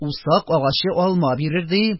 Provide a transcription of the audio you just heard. Усак агачы алма бирер, ди,